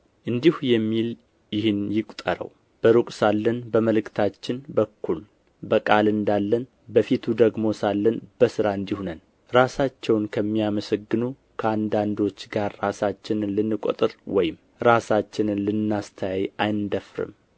እንዲሁ የሚል ይህን ይቁጠረው በሩቅ ሳለን በመልእክታችን በኩል በቃል እንዳለን በፊቱ ደግሞ ሳለን በሥራ እንዲሁ ነን ራሳቸውን ከሚያመሰግኑ ከአንዳንዶች ጋር ራሳችንን ልንቆጥር ወይም ራሳችንን ልናስተያይ አንደፍርምና